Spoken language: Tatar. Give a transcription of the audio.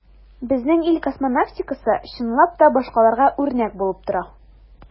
Безнең ил космонавтикасы, чынлап та, башкаларга үрнәк булып тора.